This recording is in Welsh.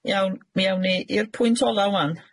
Iawn, mi awn ni i'r pwynt ola ŵan,